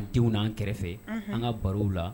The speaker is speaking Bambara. An denw n' anan kɛrɛfɛ an ka barow la